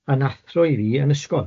yn athro i fi yn ysgol.